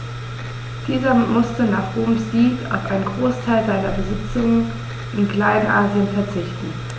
Dieser musste nach Roms Sieg auf einen Großteil seiner Besitzungen in Kleinasien verzichten.